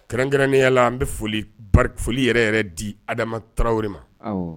Kɛrɛnkɛrɛnnenya la an bɛ foli foli yɛrɛ yɛrɛ di adama adama tarawelew ma